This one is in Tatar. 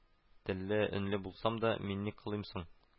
Телле, өнле булсам да, мин ни кылыйм соң